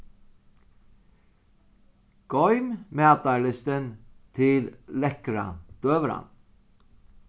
goym matarlystin til lekkra døgurðan